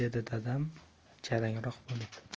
dedi dadam tajangroq bo'lib